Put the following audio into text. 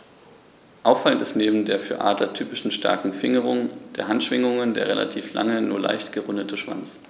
Auffallend ist neben der für Adler typischen starken Fingerung der Handschwingen der relativ lange, nur leicht gerundete Schwanz.